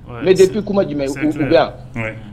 Ne dep kuma ma jumɛntu bɛ yan